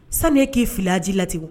Sani k'i fili ji la tɛ